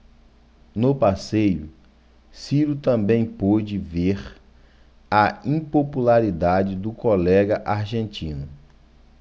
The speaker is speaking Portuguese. no passeio ciro também pôde ver a impopularidade do colega argentino